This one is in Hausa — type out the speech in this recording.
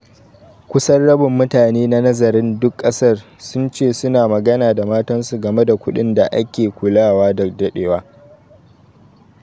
Kusan rabin mutane a nazarin duk kasar sun ce su na magana da matansu game da kudin da ake kulawa da dadewa.